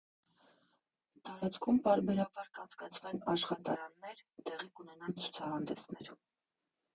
Տարածքում պարբերաբար կանցկացվեն աշխատարաններ, տեղի կունենան ցուցահանդեսներ։